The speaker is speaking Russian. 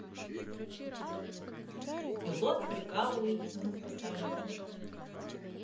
пилот прикалывается над пассажиром